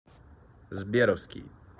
сберовский